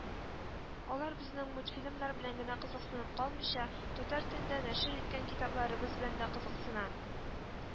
Алар безнең мультфильмнар белән генә кызыксынып калмыйча, татар телендә нәшер иткән китапларыбыз белән дә кызыксына